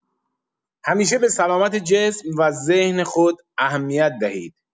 همیشه به سلامت جسم و ذهن خود اهمیت دهید.